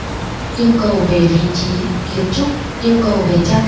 yêu cầu về vị trí kiến trúc yêu cầu về trang